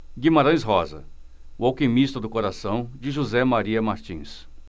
guimarães rosa o alquimista do coração de josé maria martins